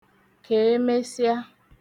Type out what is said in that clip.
kèemesịa